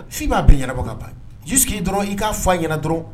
F'i m'a bɛn yɛlɛmaba ka ban ji k' ii dɔrɔn i k' fɔ a ɲɛna dɔrɔn